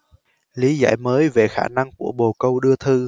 lý giải mới về khả năng của bồ câu đưa thư